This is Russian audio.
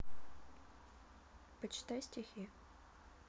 почитай стихи